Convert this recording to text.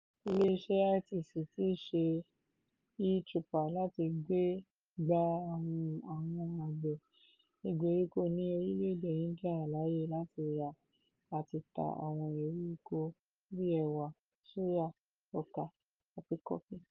Ilé iṣẹ́ ITC ti ṣe e-Choupal láti gba àwọn àwọn àgbẹ̀ ìgbèríko ní orílẹ̀ èdè India láyé láti rà àti ta àwọn èrè oko bíi ẹ̀wà sóyà, ọkà, àti kofí.